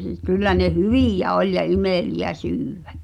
kyllä ne hyviä oli ja imeliä syödä